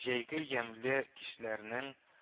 Җәйге ямьле кичләрнең